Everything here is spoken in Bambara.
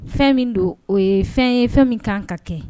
Fɛn min don o ye fɛn ye fɛn min kan ka kɛ